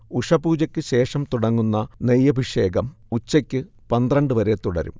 ഉഷഃപൂജക്കുശേഷം തുടങ്ങുന്ന നെയ്യഭിഷേകം ഉച്ച്ക്ക് പന്ത്രണ്ട് വരെ തുടരും